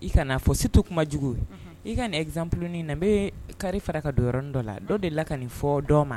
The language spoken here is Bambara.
I kana fɔ surtout kuma jugu unhun i ka nin exemple nin na nbee carré fara ka do yɔrɔnin dɔ la dɔ delila ka nin fɔɔ dɔɔ ma